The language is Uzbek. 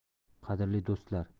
qadrli do'stlar